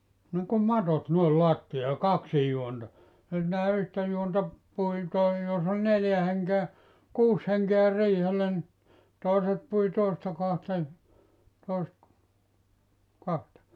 niin kuin matot noin lattiaan ja kaksin juonta sitä yhtä juonta pui tai jos oli neljä henkeä kuusi henkeä riihellä niin toiset pui toisesta kohdasta niin toiset kahta